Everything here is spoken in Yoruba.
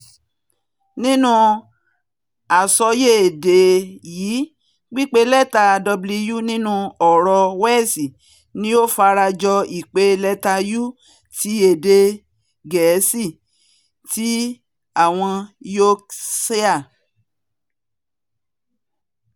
Nínú àsọyé èdé yìí pípe lẹ́tà w nínu ọ̀rọ̀ Welsh ni ó farajọ ìpè lẹ́tà u ti èdè Geesi ti àwọn Yorkshire.